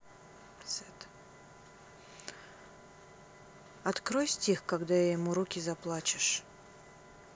открой стих когда я ему руки заплачешь